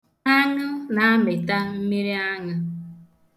Aṅụ na-amịta mmiriaṅụ .